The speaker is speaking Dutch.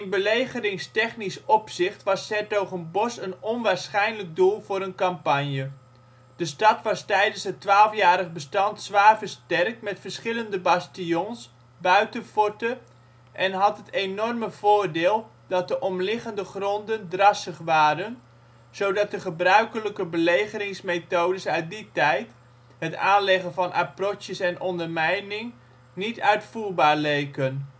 belegeringstechnisch opzicht was ' s-Hertogenbosch een onwaarschijnlijk doel voor een campagne. De stad was tijdens het Twaalfjarig Bestand zwaar versterkt met verschillende bastions, buitenforten en had het enorme voordeel dat de omliggende gronden drassig waren, zodat de gebruikelijke belegeringsmethodes uit die tijd, het aanleggen van approches en ondermijning, niet uitvoerbaar leken